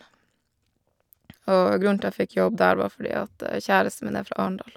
Og grunnen til jeg fikk jobb der, var fordi at kjæresten min er fra Arendal.